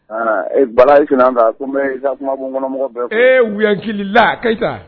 Aa e bala i tɛna ta ko kuma bon kɔnɔ mɔgɔ bɛɛ eya hakili la ka taa